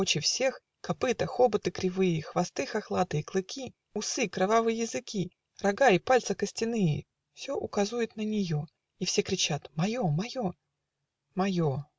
очи всех, Копыты, хоботы кривые, Хвосты хохлатые, клыки, Усы, кровавы языки, Рога и пальцы костяные, Все указует на нее, И все кричат: мое! мое! Мое!